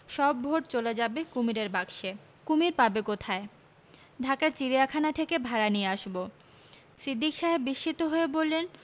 সব ভোট চলে যাবে কুমীরের বাক্সে কুমীর পাবে কোথায় ঢাকার চিড়িয়াখানা থেকে ভাড়া নিয়ে আসব সিদ্দিক সাহেব বিস্মিত হয়ে বললেন